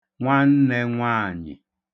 nwannẹ̄ nwaànyị̀